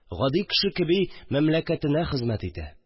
Гади кеше кеби мәмләкәтенә хезмәт итә